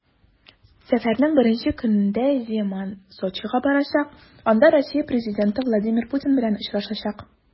Сәфәренең беренче көнендә Земан Сочига барачак, анда Россия президенты Владимир Путин белән очрашачак.